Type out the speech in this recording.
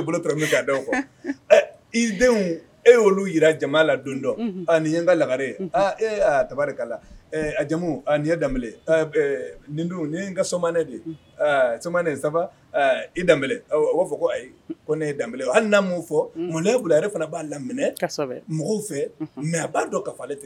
bolo min'a di i denw e y'olu jira jama la don dɔ a nin ye n ka lagare ye ee tari k la a jamumu a nin ye da nin ni n ka sɔmmaɛ de ye sɔen sa i da b'a fɔ ko ayi ko ne ye da ye hali na min fɔ mɔnɛ bila a yɛrɛ fana b'a lam minɛ mɔgɔw fɛ mɛ a b'a dɔn ka ale tigɛ